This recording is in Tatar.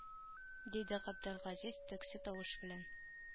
Диде габделгазиз төксе тавыш белән